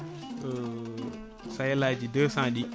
Sayel aji 200 ɗi